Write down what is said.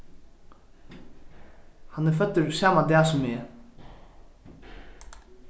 hann er føddur sama dag sum eg